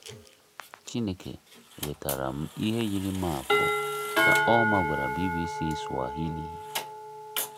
Chineke wetara m ihe yiri maapụ, ka Ouma gwara BBC Swahili.